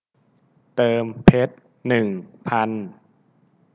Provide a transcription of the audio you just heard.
เติมเพชรหนึ่งพัน